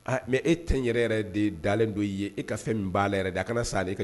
Mɛ e tɛ n yɛrɛ yɛrɛ de ye dalenlen dɔ ye e ka fɛn min b'a yɛrɛ dɛ a kana sa ale kan